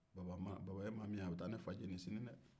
baba ye maa min ye a bɛ taa ne fa jeni sini dɛ